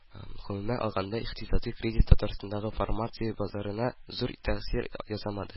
Гомумән алганда, икътисадый кризис Татарстандагы фармация базарына зур тәэсир ясамады